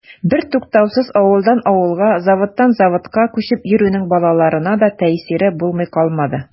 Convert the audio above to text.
Бертуктаусыз авылдан авылга, заводтан заводка күчеп йөрүнең балаларына да тәэсире булмый калмады.